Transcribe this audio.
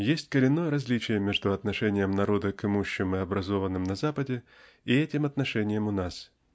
Есть коренное различие между отношение народа и имущим и образованным на Западе и этим отношением у нас.